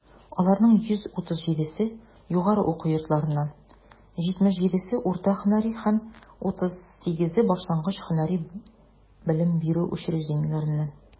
Аларның 137 се - югары уку йортларыннан, 77 - урта һөнәри һәм 38 башлангыч һөнәри белем бирү учреждениеләреннән.